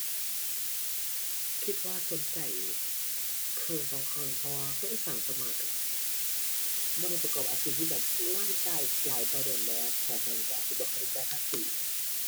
คิดว่าสนใจครึ่งต่อครึ่ง เพราะว่าคนอีสานส่วนมากครึ่งบ่ได้ประกอบอาชีพที่แบบรายจ่ายหลายต่อเดือน บ่ขนาดนั้น ครึ่งอาจสิบ่ค่อยได้จ่ายภาษี